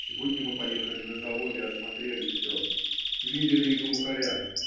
Сегодня мы поехали на завод и осмотрели все. Видели и глухаря.